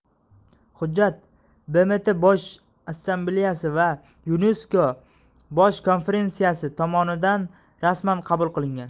hujjat bmt bosh assambleyasi va yunesko bosh konferentsiyasi tomonidan rasman qabul qilingan